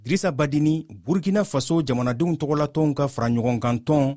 wisa badini burukina faso jamanadenw tɔgɔlatɔn ka fara ɲɔgɔn kan tɔn